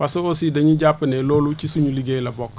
parce que aussi dañuy jàpp ne loolu ci suñu liggéey la bokk